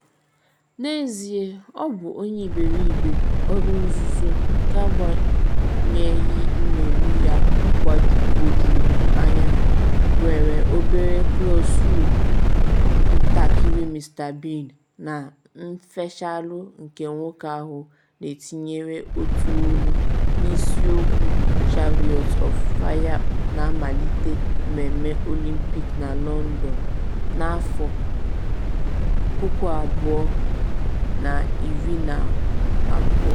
N’ezie ọ bụ onye iberibe ọrụ nzuzo nke agbanyeghị ṅṅomi ya gbagwojuru anya, nwere obere Clouseau, ntakịrị Mr Bean na nfechalụ nke nwoke ahụ n’etinye otu olu na isiokwu Chariots of Fire na mmalite mmemme Olympics London 2012.